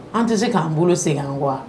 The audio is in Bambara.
An tɛ se k'an bolo segin an kɔ wa?